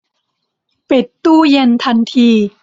ปิดตู้เย็นทันที